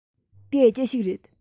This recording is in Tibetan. དེ ཅི ཞིག རེད